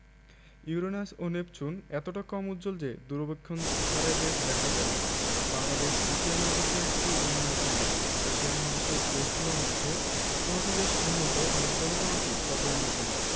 Uranus ও Neptune এতটা কম উজ্জ্বল যে দূরবীক্ষণ ছাড়া এদের দেখা যায় না বাংলাদেশ এশিয়া মহাদেশের একটি উন্নয়নশীল দেশ এশিয়া মহাদেশের দেশগুলোর মধ্যে কোনটি বেশ উন্নত আবার কোনো কোনোটি তত উন্নত নয়